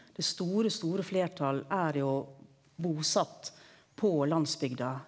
det store store fleirtal er jo busett på landsbygda.